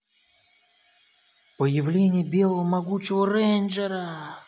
появление белого могучего рейнджера